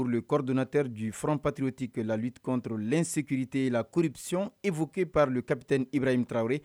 Urlkɔrirdnatere juru f papiuroteke la lilk9te eiriritee la cooripsiy epkiepril copte ip in tarawelewre